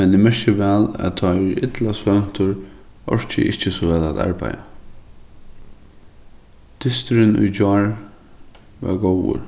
men eg merki væl at tá eg eri illa svøvntur orki eg ikki so væl at arbeiða dysturin í gjár var góður